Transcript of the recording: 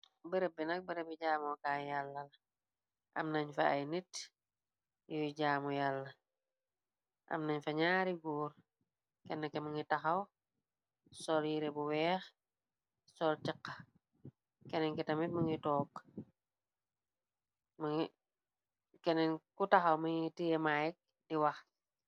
Bërëbi be nak bërëbbi jaamookaay yàlla am nañ fa ay nit yuy jaamu yàll am nañ fa ñgair gorr kenn ki mu gi tahow soul lu wax kenn ki soul yire bu wax soul cëxa ki tamit mingi took keneen ku taxaw mu gi tahow di waw.